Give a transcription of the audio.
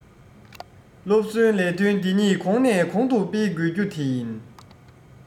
སློབ གསོའི ལས དོན འདི ཉིད གོང ནས གོང དུ སྤེལ དགོས རྒྱུ དེ ཡིན